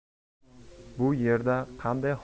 bu yerda qanday